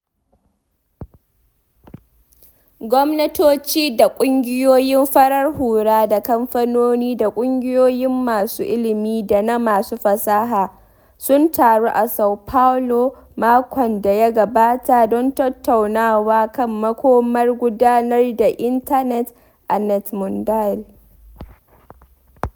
Gwamnatoci, da ƙungiyoiyin farar hula, da kamfanoni, da ƙungiyoin masu ilimi da na masu fasaha sun taru a Sao Paulo makon da ya gabata don tattaunawa kan makomar gudanar da Intanet a NETmundial.